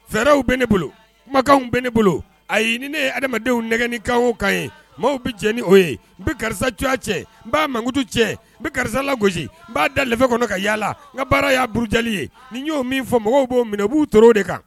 Fɛɛrɛw bɛ ne bolo kumakanw bɛ ne bolo a ye ni ne ye adamadamadenw nɛgɛ nikan kan ye maaw bɛ jɛ ni o ye n bɛ karisa cogoya cɛ n b'a makutu cɛ bɛ karisala gosi na da fɛ kɔnɔ ka yaala ka baara y'auru ja ye nin y'o min fɔ mɔgɔw b'o minɛ b'u tɔɔrɔ de kan